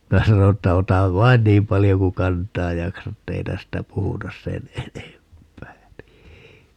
minä sanoin että ota vain niin paljon kuin kantaa jaksat että ei tästä puhuta sen enempää